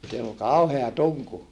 siellä oli kauhea tunku